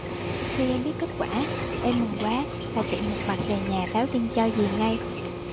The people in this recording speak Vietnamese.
khi em biết kết quả em mừng quá và chạy một mạch về nhà báo tin cho dì ngay